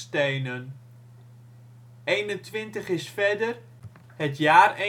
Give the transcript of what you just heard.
stenen. Eenentwintig is verder: Het jaar